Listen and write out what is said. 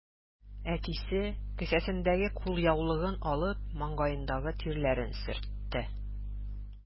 Әтисе, кесәсендәге кулъяулыгын алып, маңгаендагы тирләрен сөртте.